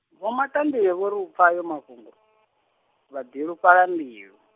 Vho Matambule vho ri u pfa ayo mafhungo, vha bilufhala mbilu.